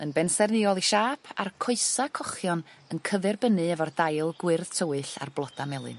Yn bensaerniol 'i siâp a'r coesa cochion yn cyferbynnu efo'r dail gwyrdd tywyll a'r bloda melyn.